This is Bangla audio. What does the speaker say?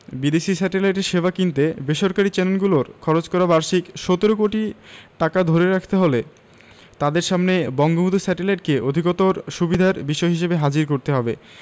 বিদেশি স্যাটেলাইটের সেবা কিনতে বেসরকারি চ্যানেলগুলোর খরচ করা বার্ষিক ১৭ কোটি টাকা ধরে রাখতে হলে তাদের সামনে বঙ্গবন্ধু স্যাটেলাইটকে অধিকতর সুবিধার বিষয় হিসেবে হাজির করতে হবে